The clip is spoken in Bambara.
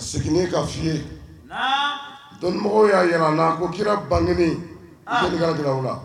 Segin ka fɔ'i ye dɔn y'a yɛlɛ a la a ko kira ban la